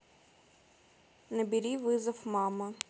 набери вызов мама